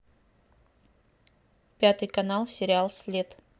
пятый канал сериал след